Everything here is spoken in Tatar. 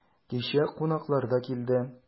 Кичә кунаклар да килде.